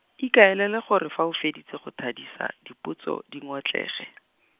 ikaelele gore fa o feditse go thadisa, dipotso, di ngotlege .